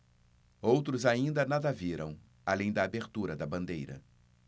outros ainda nada viram além da abertura da bandeira